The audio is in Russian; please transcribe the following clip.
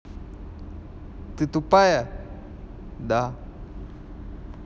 ты тупая да